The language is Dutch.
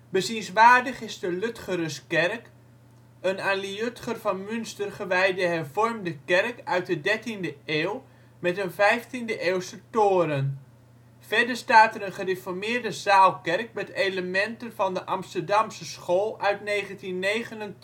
Bezienswaardig is de Ludgeruskerk, een aan Liudger van Münster gewijde hervormde kerk uit de dertiende eeuw met een vijftiende-eeuwse toren. Verder staat er een gereformeerde zaalkerk met elementen van de Amsterdamse School uit 1929